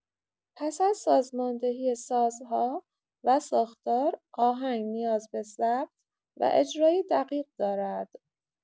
پس از ساماندهی سازها و ساختار، آهنگ نیاز به ضبط و اجرای دقیق دارد.